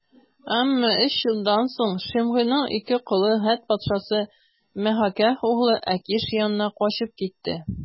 Әмма өч елдан соң Шимгыйның ике колы Гәт патшасы, Мәгакәһ углы Әкиш янына качып китте.